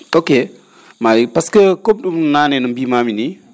ok Malick pasque comme naane no mbiimaami nii